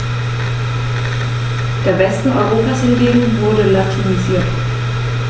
Der Westen Europas hingegen wurde latinisiert.